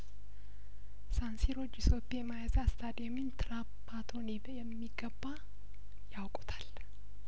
ሳንሲሮ ጁሶፔ ሜአዛ ስታድየምን ትራፓቶኒ በሚገባ ያውቁታል